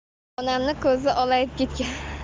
onamning ko'zi olayib ketgan